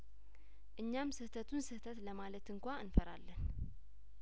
እኛም ስህተቱን ስህተት ለማለት እንኳ እንፈራለን